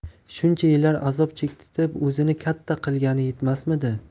shuncha yillar azob chektitib o'zini katta qilgani yetmasmidi